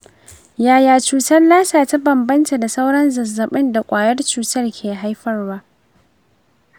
yaya cutar lassa ta bambanta da sauran zazzabin da kwayar cuta ke haifarwa ?